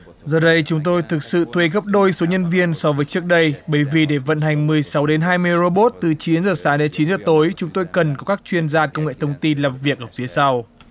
giờ đây chúng tôi thực sự thuê gấp đôi số nhân viên so với trước đây bởi vì để vận hành mười sáu đến hai mươi rô bốt từ chín giờ sáng đến chín giờ tối chúng tôi cần có các chuyên gia công nghệ thông tin làm việc ở phía sau